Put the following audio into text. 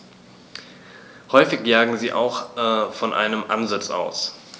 Häufig jagen sie auch von einem Ansitz aus.